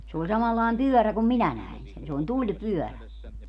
se oli samanlainen pyörä kuin minä näin sen se oli tulipyörä